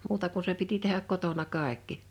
muuta kuin se piti tehdä kotona kaikki